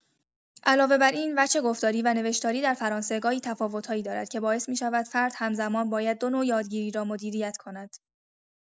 علاوه بر این، وجه گفتاری و نوشتاری در فرانسه گاهی تفاوت‌هایی دارد که باعث می‌شود فرد همزمان باید دو نوع یادگیری را مدیریت کند.